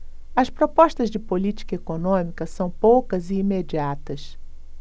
as propostas de política econômica são poucas e imediatas